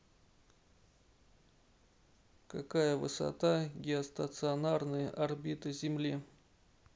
какова высота геостационарной орбиты земли